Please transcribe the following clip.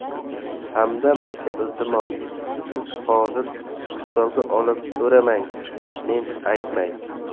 hamdam aka iltimos siz hozir qistovga olib so'ramang men aytmay